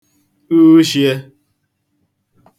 ushiē